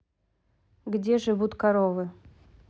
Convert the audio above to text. где живут коровы